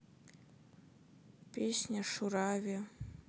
песня шурави